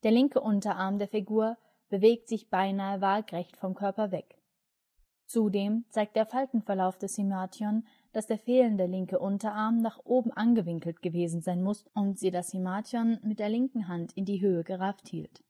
linke Unterarm der Figur bewegt sich beinahe waagerecht vom Körper weg. Zudem zeigt der Faltenverlauf des himation, dass der fehlende linke Unterarm nach oben angewinkelt gewesen sein muss und sie das himation mit der linken Hand in die Höhe gerafft hielt